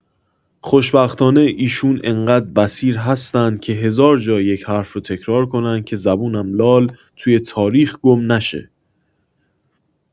خوشبختانه ایشون انقدر بصیر هستن که هزارجا یک حرف رو تکرار کنن که زبونم لال توی تاریخ گم نشه.